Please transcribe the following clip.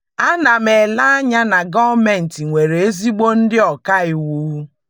Ana m ele anya na gọọmentị nwere ezigbo ndị ọka iwu.